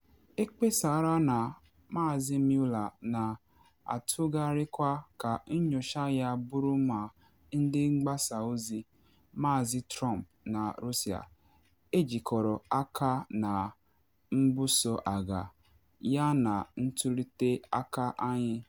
Ekpesara na Maazị Mueller na atụgharịkwa ka nyocha ya bụrụ ma ndị mgbasa ozi Maazị Trump na Russia ejikọrọ aka na mbuso agha ya na ntuli aka anyị.